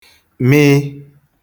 mii